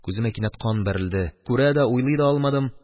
Күземә кинәт кан бәрелде – күрә дә, уйлый да алмадым